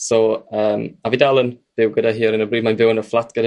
so yym a fi dal yn byw gyda hi ar hyn o bryd mae'n byw yn y fflat gyda